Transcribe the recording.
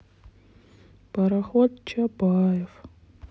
пароход чапаев